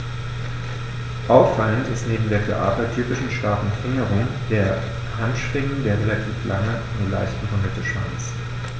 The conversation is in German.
Auffallend ist neben der für Adler typischen starken Fingerung der Handschwingen der relativ lange, nur leicht gerundete Schwanz.